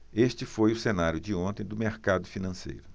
este foi o cenário de ontem do mercado financeiro